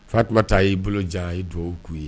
Fa tun taa y'i boloja ye dugawu k'u ye